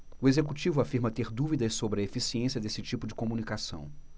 o executivo afirma ter dúvidas sobre a eficiência desse tipo de comunicação